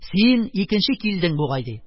Син икенче килдең, бугай, - ди.